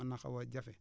mën naa xaw a jafe